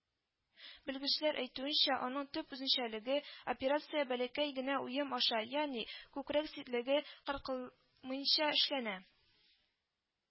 Белгечләр әйтүенчә, аның төп үзенчәлеге - операция бәләкәй генә уем аша, ягъни күкрәк ситлеге кыркылмыйнча эшләнә